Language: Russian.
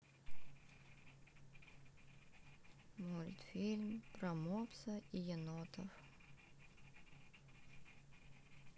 мультфильм про мопса и енотов